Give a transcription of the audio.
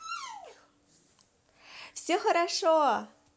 все хорошо